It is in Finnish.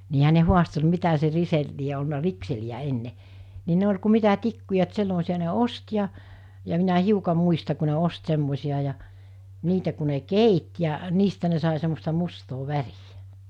niinhän ne haasteli mitä se - lie ollut rikseliä ennen niin ne oli kuin mitä tikkuja että semmoisia ne osti ja ja minä hiukan muista kun ne osti semmoisia ja niitä kun ne keitti ja niistä ne sai semmoista mustaa väriä